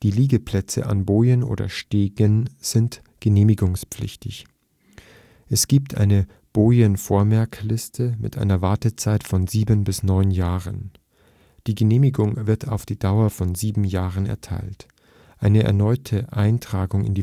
Liegeplätze an Bojen oder Stegen sind genehmigungspflichtig. Die Wartezeit auf einer Bojenvormerkliste beträgt derzeit sieben bis neun Jahre. Die Genehmigung wird für die Dauer von sieben Jahren erteilt. Eine erneute Eintragung